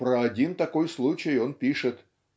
про один такой случай он пишет